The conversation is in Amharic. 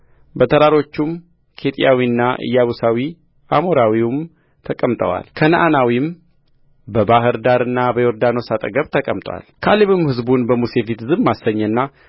በተራሮቹም ኬጢያዊና ኢያቡሳዊ አሞራዊም ተቀምጠዋል ከነዓናዊም በባሕር ዳርና በዮርዳኖስ አጠገብ ተቀምጦአልካሌብም ሕዝቡን በሙሴ ፊት ዝም አሰኘና